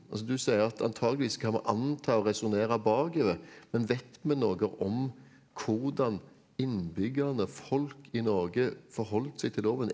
altså du sier at antageligvis kan vi anta og resonnere bakover men vet vi noe om hvordan innbyggerne folk i Norge forholdt seg til loven?